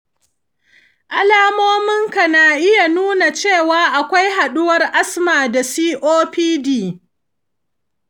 alamominka na iya nuna cewa akwai haɗuwar asma da copd.